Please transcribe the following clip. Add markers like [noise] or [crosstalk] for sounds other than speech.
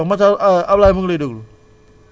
[noise] d' accord Makhtar ah Ablaye mu ngi lay déglu